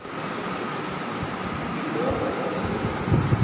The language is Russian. ты классный спасибо